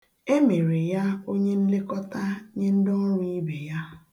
E mere ya onyenlekọta nye ndị ọrụ ibe ya